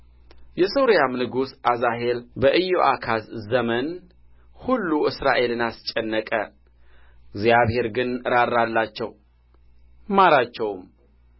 የሶርያም ንጉሥ አዛሄል በኢዮአካዝ ዘመን ሁሉ እስራኤልን አስጨነቀ እግዚአብሔር ግን ራራላቸው ማራቸውም